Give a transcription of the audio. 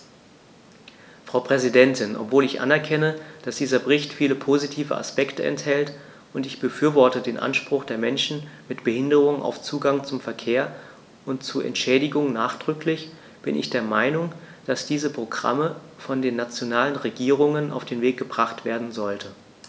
Frau Präsidentin, obwohl ich anerkenne, dass dieser Bericht viele positive Aspekte enthält - und ich befürworte den Anspruch der Menschen mit Behinderung auf Zugang zum Verkehr und zu Entschädigung nachdrücklich -, bin ich der Meinung, dass diese Programme von den nationalen Regierungen auf den Weg gebracht werden sollten.